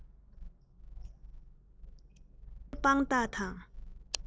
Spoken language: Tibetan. མཁས པའི དཔང རྟགས དང